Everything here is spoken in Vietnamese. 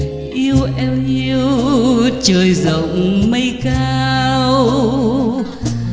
yêu em yêu trời rộng mây cao